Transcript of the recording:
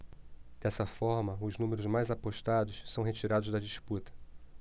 dessa forma os números mais apostados são retirados da disputa